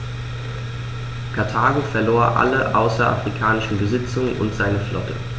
Karthago verlor alle außerafrikanischen Besitzungen und seine Flotte.